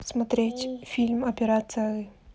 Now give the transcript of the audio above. смотреть фильм операция ы